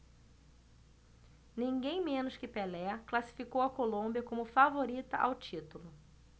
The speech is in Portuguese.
ninguém menos que pelé classificou a colômbia como favorita ao título